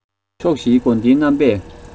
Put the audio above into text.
ཕྱོགས བཞིའི དགོན སྡེ རྣམ པས